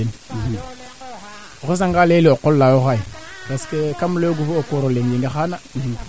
o reta nga boo fig waa o gar fañ nu a naak o waña naaka ke d' accord